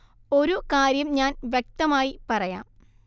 ഒരു കാര്യം ഞാൻ വ്യക്തമായി പറയാം